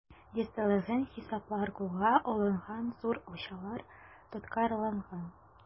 Дистәләгән хисаплар кулга алынган, зур акчалар тоткарланган.